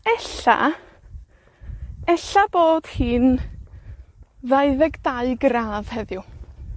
Ella, ella bod hi'n ddau ddeg dau gradd heddiw.